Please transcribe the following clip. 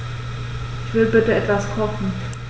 Ich will bitte etwas kochen.